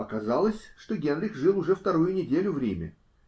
Оказалось, что Генрих жил уже вторую неделю в Риме.